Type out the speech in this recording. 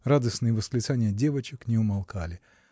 радостные восклицания девочек не умолкали